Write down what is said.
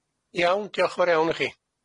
Iawn, diolch yn fawr iawn i chi.